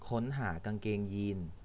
ค้นหากางเกงยีน